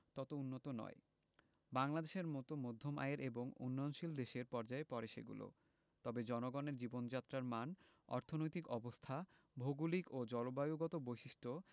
তত উন্নত নয় বাংলাদেশের মতো মধ্যম আয়ের এবং উন্নয়নশীল দেশের পর্যায়ে পড়ে সেগুলো তবে জনগণের জীবনযাত্রার মান অর্থনৈতিক অবস্থা ভৌগলিক ও জলবায়ুগত বৈশিষ্ট্য